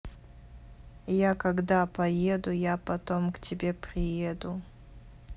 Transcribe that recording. я когда поеду я потом к тебе приеду